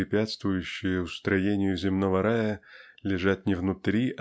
препятствующие устроению земного рая лежат не внутри